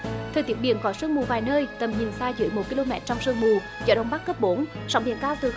thời tiết biển có sương mù vài nơi tầm nhìn xa dưới một ki lô met trong sương mù gió đông bắc cấp bốn sóng biển cao từ